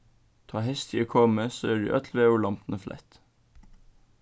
tá heystið er komið so eru øll veðurlombini flett